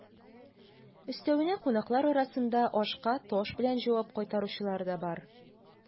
Өстәвенә, кунаклар арасында ашка таш белән җавап кайтаручылар да бар.